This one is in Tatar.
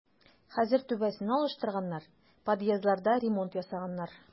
Хәзер түбәсен алыштырганнар, подъездларда ремонт ясаганнар.